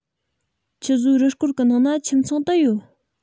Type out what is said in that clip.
ཁྱོད བཟོའི རུ སྐོར གི ནང ན ཁྱིམ ཚང དུ ཡོད